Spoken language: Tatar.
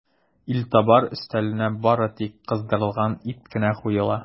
Илтабар өстәленә бары тик кыздырылган ит кенә куела.